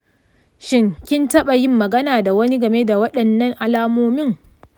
shin kin taɓa yin magana da wani game da waɗannan alamomin?